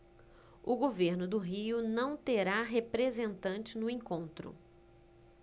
o governo do rio não terá representante no encontro